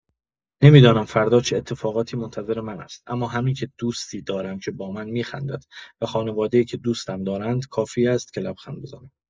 نمی‌دانم فردا چه اتفاقاتی منتظر من است، اما همین که دوستی دارم که با من می‌خندد و خانواده‌ای که دوستم دارند، کافی است که لبخند بزنم.